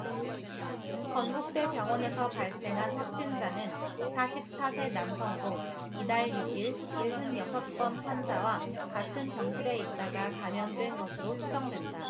건국대병원에서 발생한 확진자는 사십 사 세 남성으로 이달 육 일 일흔 여섯 번 환자와 같은 병실에 있다가 감염된 것으로 추정된다